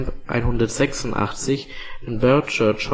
186 “in Berechurch-Hall